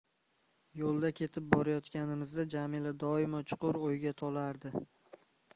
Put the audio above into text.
yo'lda ketib borayotganimizda jamila doimo chuqur o'yga tolardi